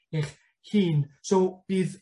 eich hun. So bydd...